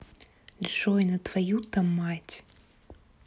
джой на твою то мать